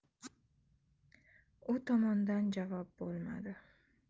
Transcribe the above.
u tomondan javob bo'lmadi